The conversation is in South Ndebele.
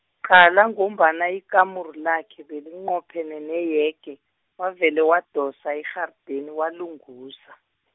qala ngombana ikamero lakhe belinqophene neyege, wavele wadosa irharideni walunguza.